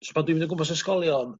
so pan dwi mynd o'gwmpas ysgolion